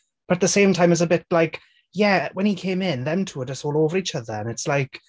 But at the same time, it's a bit like yeah, when he came in, them two were just all over each other. And it's like...